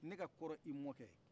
ne ka kɔrɔ i mamakɛ ye